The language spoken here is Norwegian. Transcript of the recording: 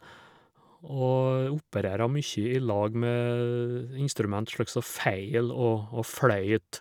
Og opererer mye i lag med instrument slik som fele og og fløyte.